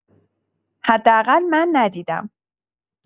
حداقل من ندیدم